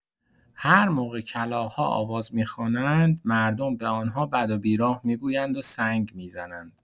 هر موقع کلاغ‌ها آواز می‌خوانند، مردم به آن‌ها بد و بیراه می‌گویند و سنگ می‌زنند.